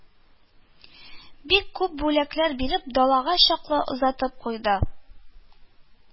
Бик күп бүләкләр биреп, далага чаклы озатып куйды